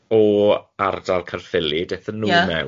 o ardal Caerffili daethon nhw Ie. mewn.